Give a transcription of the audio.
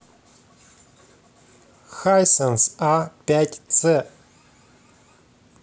хайсенс а пять ц